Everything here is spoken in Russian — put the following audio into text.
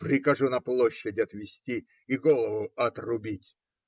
Прикажу на площадь отвести и голову отрубить.